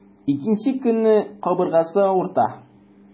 Икенче көнне кабыргасы авырта.